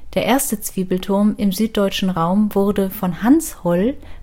erste Zwiebelturm im süddeutschen Raum wurde von Hans Holl